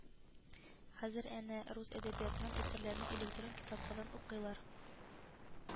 Хәзер әнә рус әдәбиятыннан әсәрләрне электрон китаплардан укыйлар